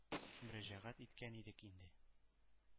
Мөрәҗәгать иткән идек инде.